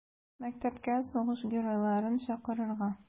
Мәктәпкә сугыш геройларын чакырырга.